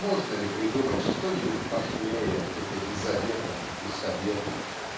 Можно ли придумать что-нибудь пошлее этих заветов и советов?